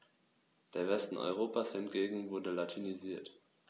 Der Westen Europas hingegen wurde latinisiert.